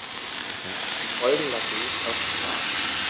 Die Folgen lassen nicht auf sich warten.